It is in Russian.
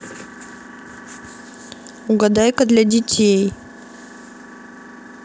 угадайка для детей